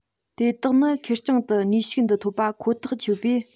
དེ དག ནི ཁེར རྐྱང དུ ནུས ཤུགས འདི ཐོབ པ ཁོ ཐག ཆོད པས